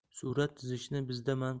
surat chizishni bizda man